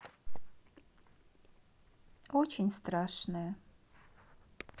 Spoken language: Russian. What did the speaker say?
очень страшное